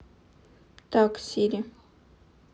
так сири